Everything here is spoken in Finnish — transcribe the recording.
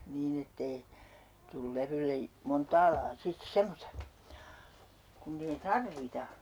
niin että ei tule levylle montaa lajia sitten semmoista kun ei tarvita